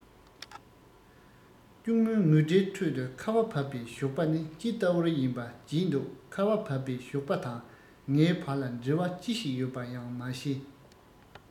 གཅུང མོའི ངུ སྒྲའི ཁྲོད དུ ཁ བ བབས པའི ཞོགས པ ནི ཅི ལྟ བུར ཡིན པ བརྗེད འདུག ཁ བ བབས པའི ཞོགས པ དང ངའི བར ལ འབྲེལ བ ཅི ཞིག ཡོད པ ཡང མ ཤེས